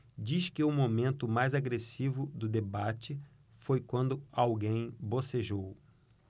diz que o momento mais agressivo do debate foi quando alguém bocejou